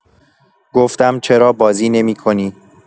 گفتم چرا بازی نمی‌کنی.